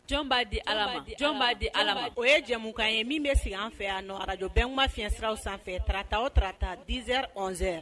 Jɔn b'a di jɔn b'a di ala o ye jɛmukan ye min bɛ sigi an fɛ yan arajɔ bɛnma fisiraraw sanfɛrata ota dz sɛn